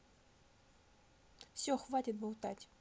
все хватит болтать